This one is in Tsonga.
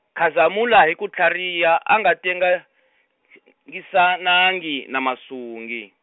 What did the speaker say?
Khazamula hi ku tlhariha a nga tenga- -ngisanangi na Masungi.